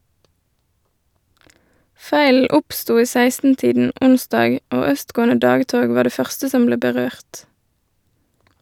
Feilen oppsto i 16-tiden onsdag, og østgående dagtog var det første som ble berørt.